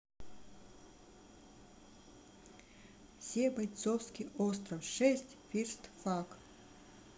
все бойцовский остров шесть first face